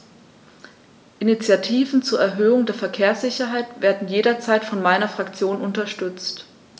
Initiativen zur Erhöhung der Verkehrssicherheit werden jederzeit von meiner Fraktion unterstützt.